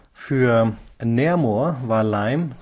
Für Naremore war Lime